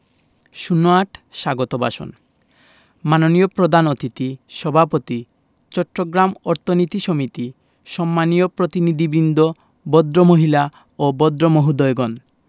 ০৮ স্বাগত ভাষণ মাননীয় প্রধান অতিথি সভাপতি চট্টগ্রাম অর্থনীতি সমিতি সম্মানীয় প্রতিনিধিবৃন্দ ভদ্রমহিলা ও ভদ্রমহোদয়গণ